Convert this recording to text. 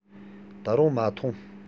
ད རུང མ འཐུངས